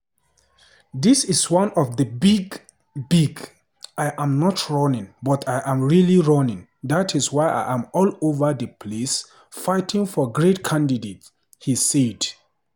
This is one of the big, big -- I'm not running but I'm really running that's why I'm all over the place fighting for great candidates," he said.